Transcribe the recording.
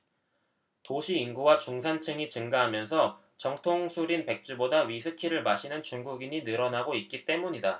도시인구와 중산층이 증가하면서 전통술인 백주보다 위스키를 마시는 중국인이 늘어나고 있기 때문이다